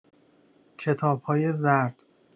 کتاب‌های زرد